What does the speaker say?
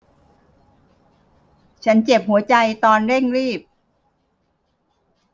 ฉันเจ็บหัวใจตอนเร่งรีบ